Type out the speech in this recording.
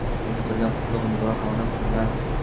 ayvonda turgan qutlug' nigor xonim bilan